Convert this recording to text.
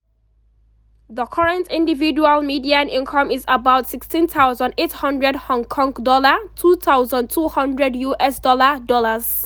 The current individual median income is about HK$16,800 (US$2,200) dollars.